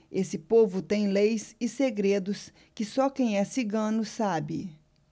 esse povo tem leis e segredos que só quem é cigano sabe